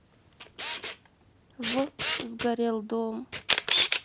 в сгорел дом